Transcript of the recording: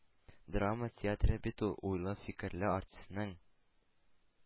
Драма театры бит ул – уйлы, фикерле артистның